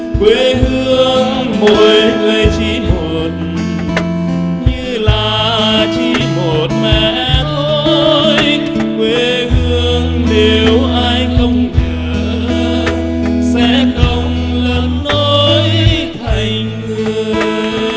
quê hương mỗi người chỉ một như là chỉ một mẹ thôi quê hương nếu ai không nhớ sẽ không lớn nổi thành người